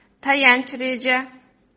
tayanch reja